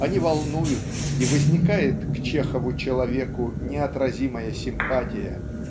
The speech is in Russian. они волнуют, и возникает к Чехову-человеку неотразимая симпатия.